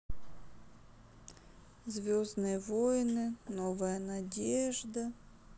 звездные войны новая надежда